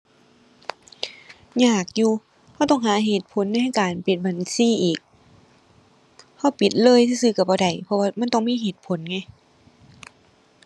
ยากอยู่ เราต้องหาเหตุผลในการปิดบัญชีอีก เราปิดเลยซื่อซื่อเราบ่ได้ เพราะว่ามันต้องมีเหตุผลไง